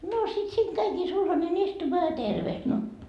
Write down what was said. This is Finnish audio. no sitten siinä kävikin sulhanen istumaan ja tervehti no